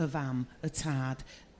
y fam y tad